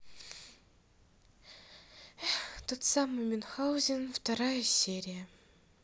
тот самый мюнхгаузен вторая серия